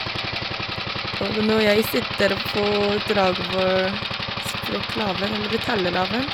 Og nå jeg sitter på Dragvoll språklaben eller talelaben.